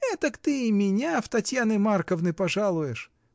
Этак ты и меня в Татьяны Марковны пожалуешь!